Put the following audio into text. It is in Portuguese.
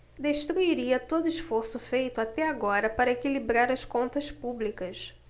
destruiria todo esforço feito até agora para equilibrar as contas públicas